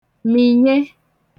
mìnye